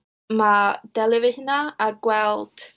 Ma' delio efo hynna a gweld...